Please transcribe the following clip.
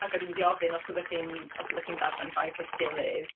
Ac o'n i'n mynd i ofyn os oeddech chi'n os oeddech chi'n darllen gwaith eich gilydd.